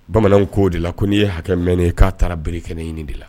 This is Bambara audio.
Bamanan ko'o de la ko n'i ye hakɛmɛen ye k'a taara bereere kɛkɛnɛ ɲini de la